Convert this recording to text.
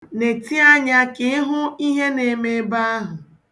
Netịa anya ka ịhụ ihe na-eme ebe ahụ.